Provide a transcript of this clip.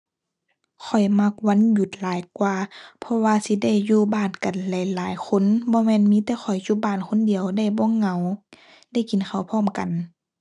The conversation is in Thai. ข้อยมักวันหยุดหลายกว่า เพราะว่าสิได้อยู่บ้านกันหลายหลายคน บ่แม่นมีแต่ข้อยอยู่บ้านคนเดียว ได้บ่เหงา ได้กินข้าวพร้อมกัน